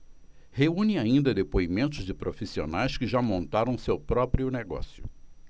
reúne ainda depoimentos de profissionais que já montaram seu próprio negócio